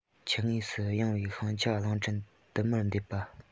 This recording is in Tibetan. ཆུ ངོས སུ གཡེང བའི ཤིང ཆ གླིང ཕྲན དུ མར འདེད པ དང